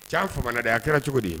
Ca fa a kɛra cogo di ye